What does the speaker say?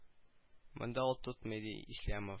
Монда ул тотмый ди ислямов